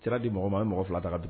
I sira di mɔgɔ man mɔgɔ fila ta ka